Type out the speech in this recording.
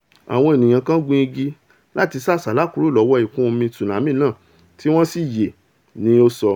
Àwọn ènìyàn kan gun igi láti sá àsálà kuro lọ́wọ́ ìkún omi tsunami náà tí wọ́n sì yè, ni ó sọ.